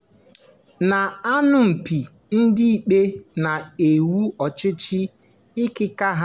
Na-anapụ ndị ikpe na iwu ọchịchị ikike ha